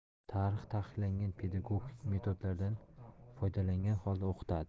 tarix taqiqlangan pedagogik metodlardan foydalangan holda o'qitadi